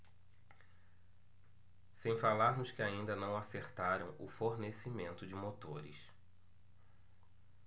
sem falar nos que ainda não acertaram o fornecimento de motores